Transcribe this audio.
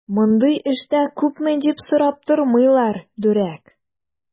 Мондый эштә күпме дип сорап тормыйлар, дүрәк!